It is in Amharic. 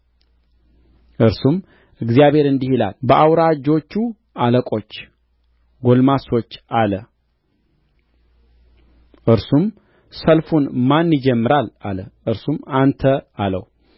እርሱም እግዚአብሔር እንዲህ ይላል በአውራጆቹ አለቆች ጕልማሶች አለ እርሱም ሰልፉን ማን ይጀምራል አለ እርሱም አንተ አለው